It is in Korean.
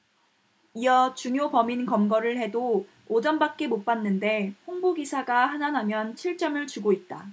이어 중요 범인 검거를 해도 오 점밖에 못 받는데 홍보 기사가 하나 나면 칠 점을 주고 있다